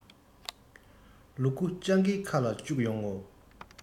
ལུ གུ སྤྱང ཀིའི ཁ ལ བཅུག ཡོང ངོ